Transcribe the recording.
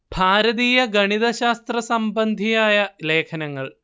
ഭാരതീയ ഗണിത ശാസ്ത്ര സംബന്ധിയായ ലേഖനങ്ങൾ